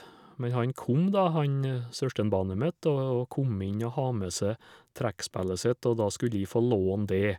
Men han kom, da, han søskenbarnet mitt, da, og kom inn og ha med seg trekkspellet sitt, og da skulle jeg få låne dét.